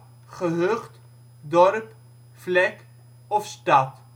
gehucht dorp vlek stad